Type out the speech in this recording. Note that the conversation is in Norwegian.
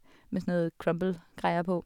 Med sånn noe crumblegreier på.